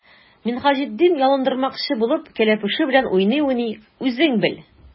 Минһаҗетдин, ялындырмакчы булып, кәләпүше белән уйный-уйный:— Үзең бел!